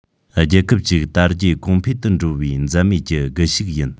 རྒྱལ ཁབ ཅིག དར རྒྱས གོང འཕེལ དུ འགྲོ བའི འཛད མེད ཀྱི སྒུལ ཤུགས ཡིན